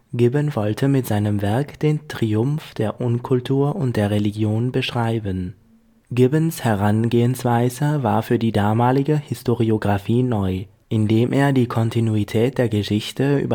Gibbon wollte mit seinem Werk den „ Triumph der Unkultur und der Religion “beschreiben. Gibbons Herangehensweise war für die damalige Historiographie neu, indem er die Kontinuität der Geschichte